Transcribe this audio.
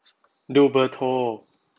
ดูเบอร์โทร